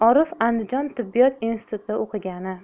orif andijon medinstitutida o'qigani